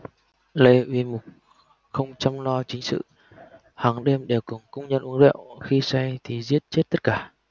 lê uy mục không chăm lo chính sự hằng đêm đều cùng cung nhân uống rượu khi say thì giết chết tất cả